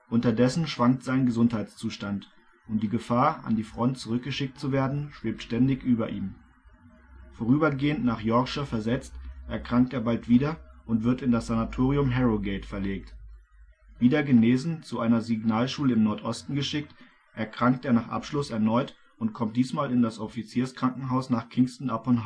Unterdessen schwankt sein Gesundheitszustand und die Gefahr, an die Front zurückgeschickt zu werden, schwebt ständig über ihm. Vorübergehend nach Yorkshire versetzt, erkrankt er bald wieder und wird in das Sanatorium Harrogate verlegt. Wieder genesen zu einer Signalschule im Nordosten geschickt, erkrankt er nach Abschluss erneut und kommt diesmal in das Offizierskrankenhaus nach Kingston upon